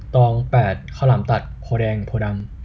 ตองแปดข้าวหลามตัดโพธิ์แดงโพธิ์ดำ